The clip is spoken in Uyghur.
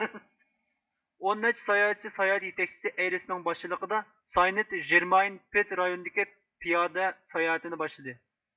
ئون نەچچە ساياھەتچى ساياھەت يېتەكچىسى ئەيرىسنىڭ باشچىلىقىدا ساينت ژېرماين پېد رايونىدىكى پىيادە ساياھىتىنى باشلىدى